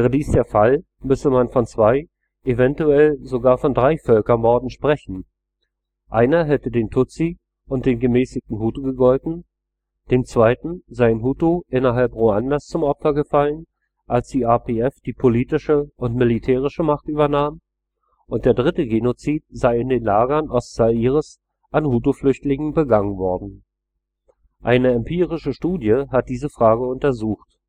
dies der Fall, müsse man von zwei, eventuell sogar von drei Völkermorden sprechen; einer hätte den Tutsi und den gemäßigten Hutu gegolten, dem zweiten seien Hutu innerhalb Ruandas zum Opfer gefallen, als die RPF die politische und militärische Macht übernahm, und der dritte Genozid sei in den Lagern Ostzaires an Hutu-Flüchtlingen begangen worden. Eine empirische Studie hat diese Frage untersucht